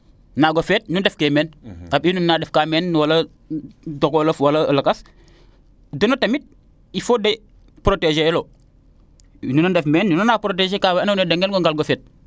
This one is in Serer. naaaga feet nu ndef kee meen xa mbiy nuun na ndef kaa meen wala ndokorof wala lakas deno tamit il faut de proteger eloyo nuun o ndef meen nuun na proteger kaa wena ngar o feet